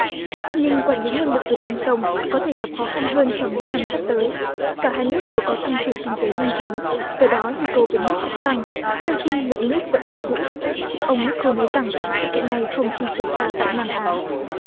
nhưng quản lý nguồn lực của con sông có thể gặp khó khăn hơn trong những năm sắp tới cả hai nước đều có tăng trưởng kinh tế nhanh chóng do đó nhu cầu về nước cũng tăng trong khi lượng nước vẫn như cũ ông míc cô nói rằng sự kiện này không chỉ xảy ra tại nam á